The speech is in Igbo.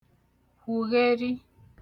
kwugheri